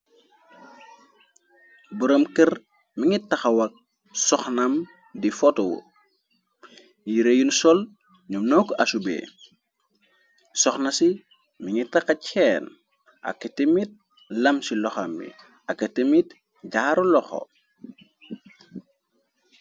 buram kër mi ngir taxawak soxnam di foto yi reyun sol ñoo nokk ashubee soxna si mi ngir taxa ceen ak témit lam ci loxam mi ak témit jaaru loxo